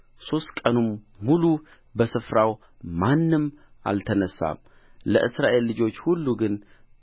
ሦስት ቀንም ሙሉ ከስፍራው ማንም አልተነሣም ለእስራኤል ልጆች ሁሉ ግን